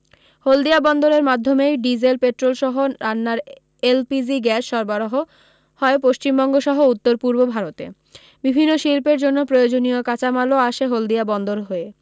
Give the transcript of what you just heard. হলদিয়া বন্দরের মাধ্যমেই diesel petrol সহ রান্নার এলপিজি গ্যাস সরবরাহ হয় পশ্চিমবঙ্গ সহ উত্তরপূর্ব ভারতে বিভিন্ন শিল্পের জন্য প্রয়োজনীয় কাঁচামালও আসে হলদিয়া বন্দর হয়ে